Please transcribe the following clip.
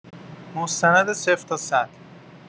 مستند صفر تا صد